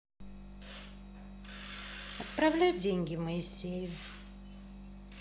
отправляй деньги моисею